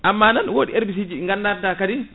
amma nan ne wodi herbicji ɗi gandanta kadi